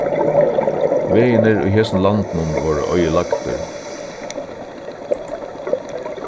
vegirnir í hesum landinum vórðu oyðilagdir